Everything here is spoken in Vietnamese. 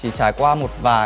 chỉ trải qua một vài